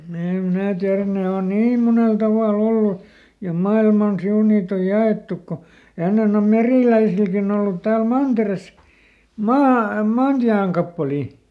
niin en minä tiedä ne on niin monella tavalla ollut ja maailman sivu niitä on jaettu kun ennen on meriläisilläkin ollut täällä mantereessa - maantienkappaleita